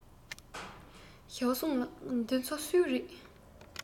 ཞའོ སུང ལགས འདི ཚོ སུའི རེད